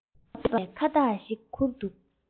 དྲི མས སྦགས པའི ཁ བཏགས ཤིག ཁུར འདུག